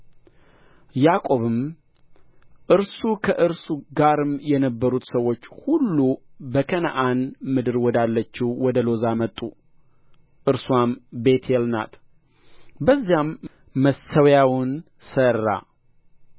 ያዕቆብም እርሱ ከእርሱ ጋርም የነበሩት ሰዎች ሁሉ በከነዓን ምድር ወዳለችው ወደ ሎዛ መጡ እርስዋም ቤቴል ናት በዚያም መሰውያውን ሠራ